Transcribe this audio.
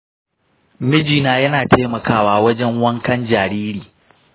mijina yana taimakawa wajen wankan jariri